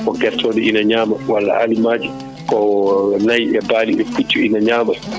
ko guertoɗe ina ñama walla aliment ko nayyi e baali e puccu ina ñama